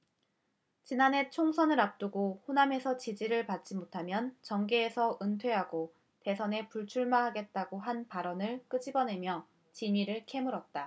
지난해 총선을 앞두고 호남에서 지지받지 못하면 정계에서 은퇴하고 대선에 불출마하겠다고 한 발언을 끄집어내며 진위를 캐물었다